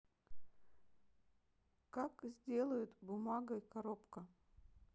как сделают бумагой коробка